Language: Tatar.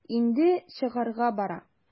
Инде чыгарга бара.